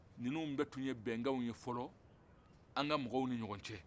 ninnu bɛɛ tun ye bɛnkanw ye fɔlɔ an ka mɔgɔ ni ɲɔgɔn cɛ